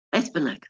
Beth bynnag.